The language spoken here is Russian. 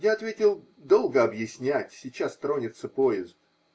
Я ответил: -- Долго объяснять, сейчас тронется поезд.